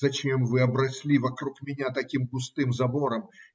Зачем вы обросли вокруг меня таким густым забором?